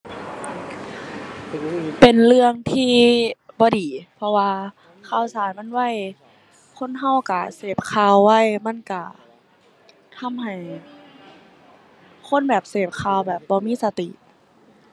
เป็นเรื่องที่บ่ดีเพราะว่า ข่าวสารมันไว คนเราเราเสพข่าวไว มันเราทำให้คนแบบเสพข่าวแบบบ่มีสติ